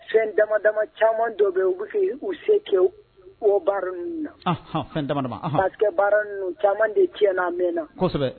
Fɛn dama dama caman dɔ bɛ u bɛ se u se kɛ o baara ninnu na fɛn pa caman de ti n'a mɛn na